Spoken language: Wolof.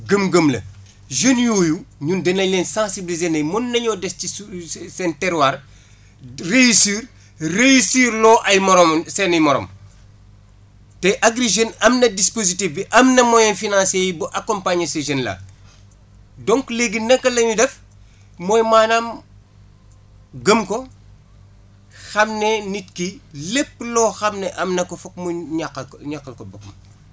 gëm-gëm la jeunes yooyu ñun danañ leen sensibiliser ne mën nañoo des ci seen terroir réussir réussir loo ay moromal seen i morom te Agri Jeunes am na dispositif bi am na moyen financier yi ba accompagner ces jeunes là donc léegi naka la ñuy def mooy maanaam gëm ko xam ne nit ki lépp loo xam ne am na ko foog mu ñàq ñàqal ko boppam